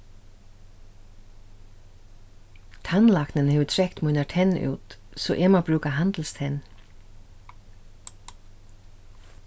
tannlæknin hevur trekt mínar tenn út so eg má brúka handilstenn